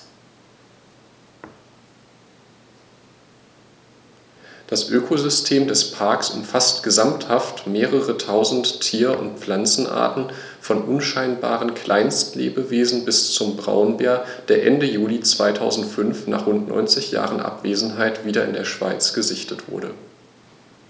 Das Ökosystem des Parks umfasst gesamthaft mehrere tausend Tier- und Pflanzenarten, von unscheinbaren Kleinstlebewesen bis zum Braunbär, der Ende Juli 2005, nach rund 90 Jahren Abwesenheit, wieder in der Schweiz gesichtet wurde.